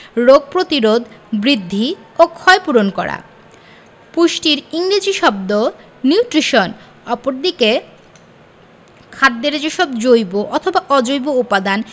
রোগ প্রতিরোধ বৃদ্ধি ও ক্ষয়পূরণ করা পুষ্টির ইংরেজি শব্দ নিউট্রিশন অপরদিকে খাদ্যের যেসব জৈব অথবা অজৈব উপাদান